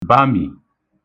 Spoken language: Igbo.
bami